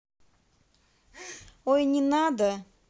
ой не надо